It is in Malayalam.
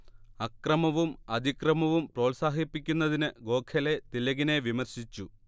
അക്രമവും അതിക്രമവും പ്രോത്സാഹിപ്പിക്കുന്നതിനു ഗോഖലെ തിലകിനെ വിമർശിച്ചു